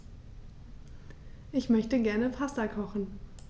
Ich möchte gerne Pasta kochen.